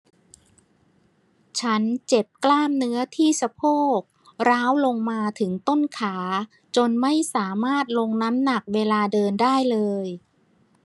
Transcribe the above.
ฉันเจ็บกล้ามเนื้อที่สะโพกร้าวลงมาถึงต้นขาจนไม่สามารถลงน้ำหนักเวลาเดินได้เลย